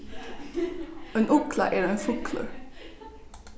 ein ugla er ein fuglur